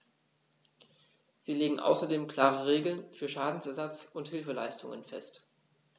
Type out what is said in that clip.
Sie legt außerdem klare Regeln für Schadenersatz und Hilfeleistung fest.